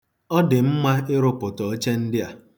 Ọ dị mma ịrụpụta oche ndị a.